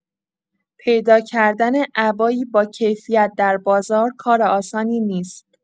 پیدا کردن عبایی باکیفیت در بازار کار آسانی نیست.